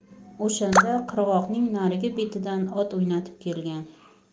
o'shanda qirg'oqning narigi betidan ot o'ynatib kelgan